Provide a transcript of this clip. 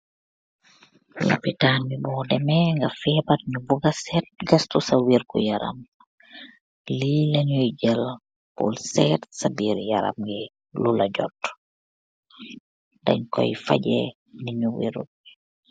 Lobitaan bi bu demeh nga febar nyu buga seet gestu sah weer guyaram li lee nyu jeel pul seet sah bir yaram bi lula joot deng koi fegeh nitt nyu werut yi.